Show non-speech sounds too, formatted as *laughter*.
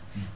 *hesitation* *hesitation*